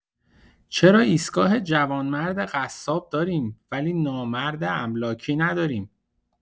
چرا ایستگاه جوانمرد قصاب داریم ولی نامرد املاکی نداریم؟